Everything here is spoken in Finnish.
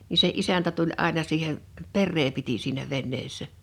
niin se isäntä tuli aina siihen perää piti siinä veneessä